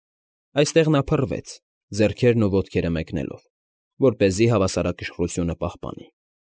Այստեղ նա փռվեց, ձեռքերն ու ոտքերը մեկնելով, որպեսզի հավասարակշռությունը պահպանի։